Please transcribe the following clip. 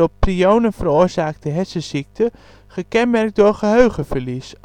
prionen veroorzaakte hersenziekte gekenmerkt door geheugenverlies